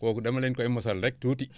kooku dama leen koy mosal rekk tuuti wa